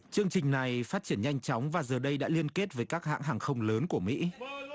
chương trình này phát triển nhanh chóng và giờ đây đã liên kết với các hãng hàng không lớn của mỹ